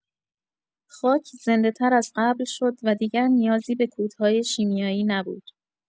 خاک زنده‌تر از قبل شد و دیگر نیازی به کودهای شیمیایی نبود.